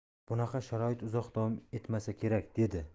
bunaqa sharoit uzoq davom etmasa kerak dedi